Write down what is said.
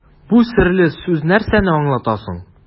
Бу серле сүз нәрсәне аңлата соң?